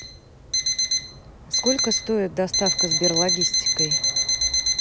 сколько стоит доставка сберлогистикой